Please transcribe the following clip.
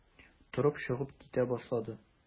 Торып чыгып китә башлады.